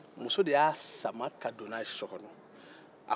muso de y'a sama ka don n'a ye so kɔnɔ